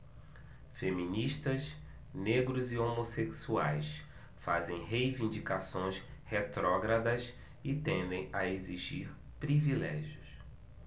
feministas negros e homossexuais fazem reivindicações retrógradas e tendem a exigir privilégios